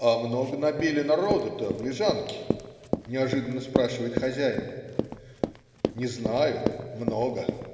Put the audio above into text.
"А много набили народу-то в Лежанке?" - неожиданно спрашивает хозяин. "Не знаю. много.